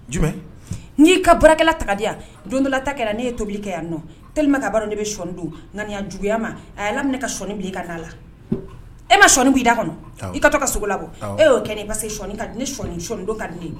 N'ii ka bkɛla tagadenya yan don dɔla ta ne ye tobili kɛ yan nɔ t ka ne bɛ sɔdoani juguyaya ma a y'a lam ne kaɔni ka da la e ma sɔɔni b' i da kɔnɔ i ka ka sogo lakɔ e y'o kɛ ne se ne sɔi sɔdo ka di ye